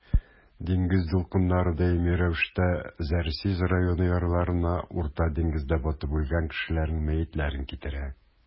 Диңгез дулкыннары даими рәвештә Зарзис районы ярларына Урта диңгездә батып үлгән кешеләрнең мәетләрен китерә.